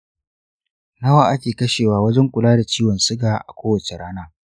nawa ake kashewa wajen kula da ciwon suga a kowace wata?